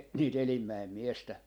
- niitä Elimäen miestä